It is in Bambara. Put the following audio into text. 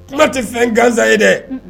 Kuma tɛ fɛn ganzsan ye dɛ